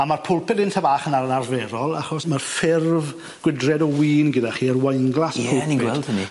A ma'r pwlpid 'yn ty bach yn anarferol achos ma'r ffurf gwydred o win gyda chi yr wine glass pwlpid. Ie ni'n gweld hynny.